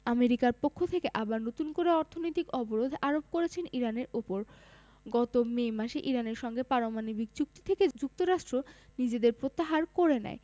আমেরিকার পক্ষ থেকে আবার নতুন করে অর্থনৈতিক অবরোধ আরোপ করেছেন ইরানের ওপর গত মে মাসে ইরানের সঙ্গে পারমাণবিক চুক্তি থেকে যুক্তরাষ্ট্র নিজেদের প্রত্যাহার করে নেয়